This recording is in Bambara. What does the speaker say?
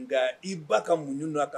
Nga i ba ka muɲun na ka